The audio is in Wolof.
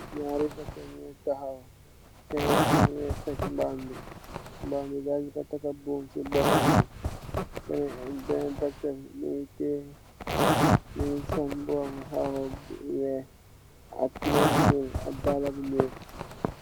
Nyarri doctor nyungi takhaw kenaki munge fatch mbam bi mbam bi guy nyunge takah bum si bopam bi benen doctor bi mungi teyeh mungi sul mboba bu khawa xong khu ak lu weex ak tubeye bu nyul ak dalah bu nyul